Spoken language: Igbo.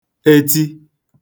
eti